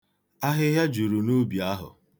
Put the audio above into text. Ahịhịa juru n'ubi ahụ.